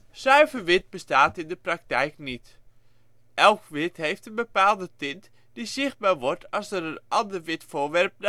Zuiver wit bestaat in de praktijk niet. Elk wit heeft een bepaalde tint, die zichtbaar wordt als er een ander wit voorwerp